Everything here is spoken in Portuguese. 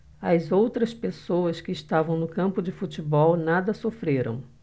as outras pessoas que estavam no campo de futebol nada sofreram